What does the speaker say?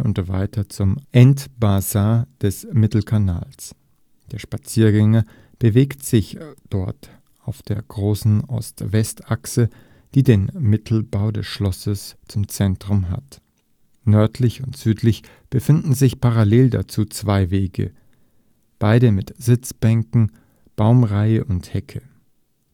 und weiter zum Endbassin des Mittelkanals; der Spaziergänger bewegt sich dort auf der großen Ost-West-Achse, die den Mittelbau des Schlosses zum Zentrum hat. Nördlich und südlich befinden sich parallel dazu zwei Wege, beide mit Sitzbänken, Baumreihe und Hecke.